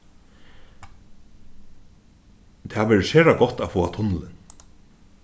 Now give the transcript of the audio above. tað verður sera gott at fáa tunnilin